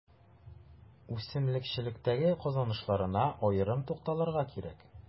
Үсемлекчелектәге казанышларына аерым тукталырга кирәк.